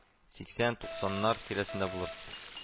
Сиксән-туксаннар тирәсендә булыр